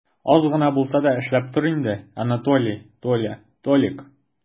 Аз гына булса да эшләп тор инде, Анатолий, Толя, Толик!